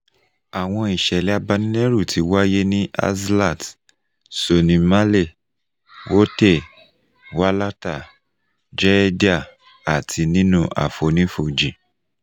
Àwọn ìṣẹ̀lẹ̀ abanilẹ́rù ti wáyé ní Azlatt, Sony Malé, Wothie, Walata, Jreida àti nínú àfonífojì.